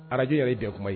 Arajɛ yɛrɛ ye de kuma ye